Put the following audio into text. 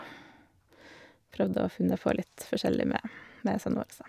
Prøvd å funnet på litt forskjellig med med sønnen våres óg.